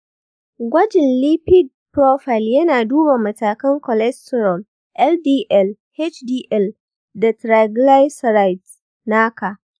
gwajin lipid profile yana duba matakan cholesterol, ldl, hdl, da triglycerides naka.